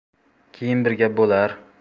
keyin bir gap bo'lar